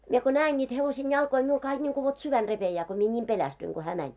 minä kun näen niitä hevosen jalkoja minulla kaikki niin kuin vot sydän repeää kun minä niin pelästyin kun hän meni